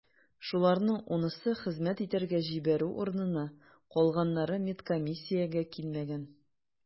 Шуларның унысы хезмәт итәргә җибәрү урынына, калганнары медкомиссиягә килмәгән.